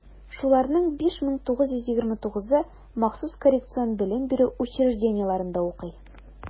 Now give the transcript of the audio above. Шуларның 5929-ы махсус коррекцион белем бирү учреждениеләрендә укый.